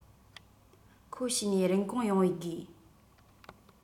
ཁོ བྱས ནས རིན གོང ཡོང བའི དགོས